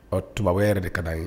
Ɔ tuma yɛrɛ de ka' ye